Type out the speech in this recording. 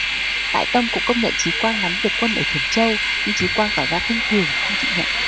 đại tông cũng công nhận trí quang nắm việc quân ở thiểm châu nhưng trí quang tỏ ra khinh thường không chịu nhận